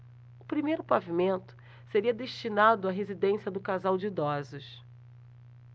o primeiro pavimento seria destinado à residência do casal de idosos